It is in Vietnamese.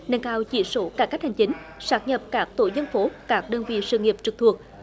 nâng cao chỉ số cải cách hành chính sáp nhập các tổ dân phố các đơn vị sự nghiệp trực thuộc